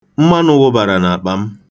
Mmanụ wụbara n'akpa m.